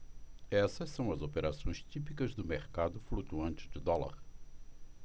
essas são as operações típicas do mercado flutuante de dólar